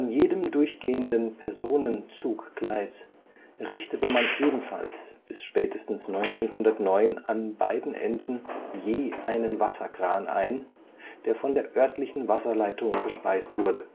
jedem durchgehenden Personenzuggleis richtete man ebenfalls bis spätestens 1909 an beiden Enden je einen Wasserkran ein, der von der örtlichen Wasserleitung gespeist wurde